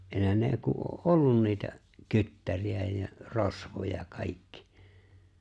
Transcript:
eihän ne kun on ollut niitä kyttäreitä ja rosvoja kaikki